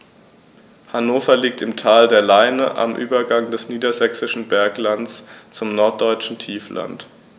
Hannover liegt im Tal der Leine am Übergang des Niedersächsischen Berglands zum Norddeutschen Tiefland.